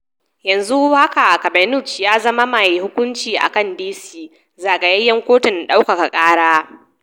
Yanzu haka Kavanaugh ya zama mai hukunci akan D.C. Zagayayyen kotun daukaka kara.